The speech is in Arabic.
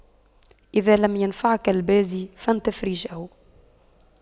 إذا لم ينفعك البازي فانتف ريشه